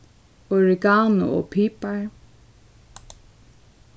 oregano og pipar